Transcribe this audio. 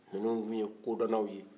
ninnu tun ye kodɔnnaw ye